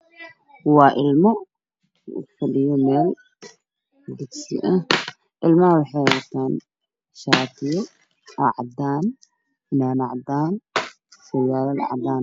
Qolkaan waxaa degan labo wiil oo arday ah waxey isticmalayan computer